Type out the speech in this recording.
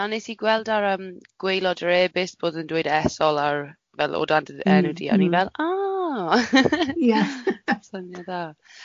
Na wnes i gweld ar yym gwaelod yr e-byst bod yn dweud esol ar fel o dan dy enw di... M-hm m-hm. ...a o'n i fel a! Ie. Syniad dda.